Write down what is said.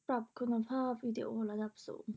ปรับคุณภาพวิดีโอระดับสูง